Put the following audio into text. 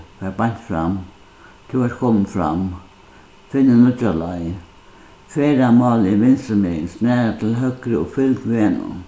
far beint fram tú ert komin fram finni nýggja leið ferðamálið er vinstrumegin snara til høgru og fylg vegnum